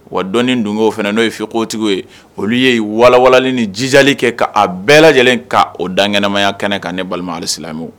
Wa dɔni dungo o fana n'olu fikutigiw ye, olu ye wala walali ni jijali kɛ'a bɛɛ lajɛlenlen ka o da ɲɛnamaya kɛɲɛ kan ne balima ali silamɛw